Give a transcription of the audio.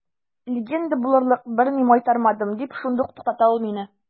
Легенда булырлык берни майтармадым, – дип шундук туктата ул мине.